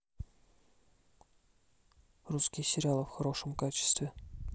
русские сериалы в хорошем качестве